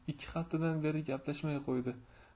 ikki haftadan beri gaplashmay qo'ydi